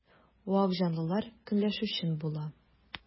Вак җанлылар көнләшүчән була.